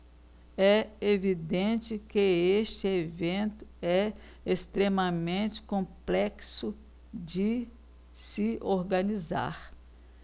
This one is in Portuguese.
é evidente que este evento é extremamente complexo de se organizar